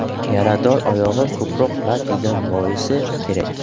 yarador oyog'i ko'proq lat yegan boisa kerak